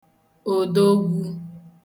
òdogwu